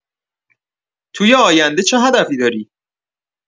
توی آینده چه هدفی داری؟